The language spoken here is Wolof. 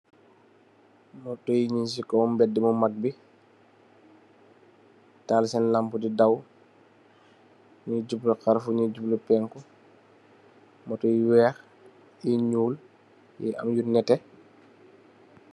Moto yi nung ci kaw ci kaw bèdd bu mag bi, Tal senn lampu di daw. Ni jublu harfu no jublu pènku. Moto yu weeh yi ñuul yi am yu nètè.